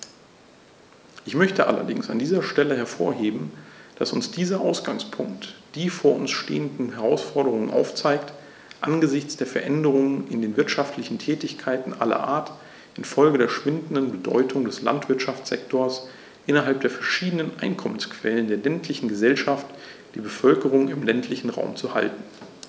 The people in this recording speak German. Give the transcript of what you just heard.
Ich möchte allerdings an dieser Stelle hervorheben, dass uns dieser Ausgangspunkt die vor uns stehenden Herausforderungen aufzeigt: angesichts der Veränderungen in den wirtschaftlichen Tätigkeiten aller Art infolge der schwindenden Bedeutung des Landwirtschaftssektors innerhalb der verschiedenen Einkommensquellen der ländlichen Gesellschaft die Bevölkerung im ländlichen Raum zu halten.